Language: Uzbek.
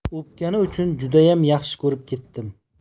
o'pgani uchun judayam yaxshi ko'rib ketdim